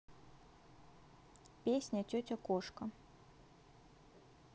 песня тетя кошка